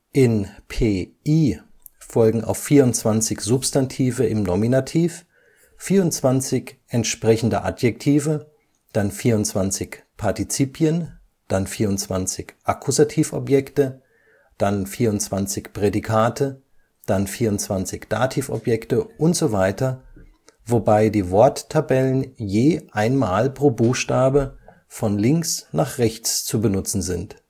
in P I folgen auf 24 Substantive im Nominativ 24 entsprechende Adjektive, dann 24 Partizipien, dann 24 Akkusativobjekte, dann 24 Prädikate, dann 24 Dativobjekte usw. wobei die Worttabellen je einmal pro Buchstabe, von links nach rechts zu benutzen sind